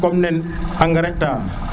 kom nen engrais ta